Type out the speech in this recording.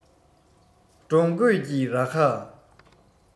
འབྲོང རྒོད ཀྱི རྭ ཁ